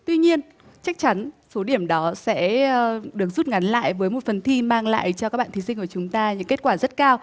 tuy nhiên chắc chắn số điểm đó sẽ a được rút ngắn lại với một phần thi mang lại cho các bạn thí sinh của chúng ta những kết quả rất cao